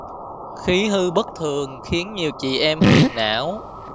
khí hư bất thường khiến nhiều chị em phiền não